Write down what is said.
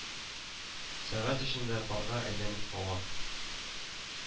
Сәгать эчендә парга әйләнеп һава